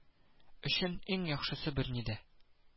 Өчен иң яхшысы берни дә